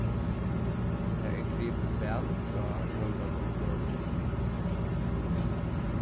tað er grivið væl frá rundan um lokið